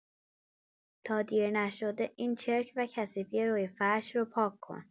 تا دیر نشده، این چرک و کثیفی روی فرش رو پاک‌کن.